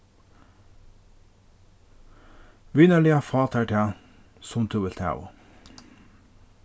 vinarliga fá tær tað sum tú vilt hava